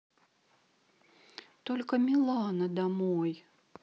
только милана домой